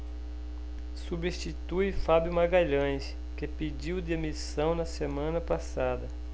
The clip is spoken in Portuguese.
substitui fábio magalhães que pediu demissão na semana passada